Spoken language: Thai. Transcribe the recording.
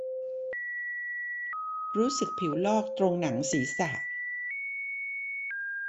รู้สึกผิวลอกตรงหนังศีรษะ